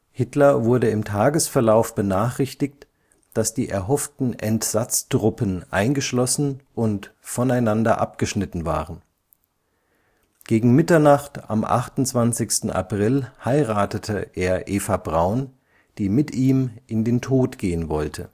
Hitler wurde im Tagesverlauf benachrichtigt, dass die erhofften Entsatztruppen eingeschlossen und voneinander abgeschnitten waren. Gegen Mitternacht am 28. April heiratete er Eva Braun, die mit ihm in den Tod gehen wollte